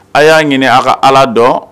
A y'a ɲini a ka ala dɔn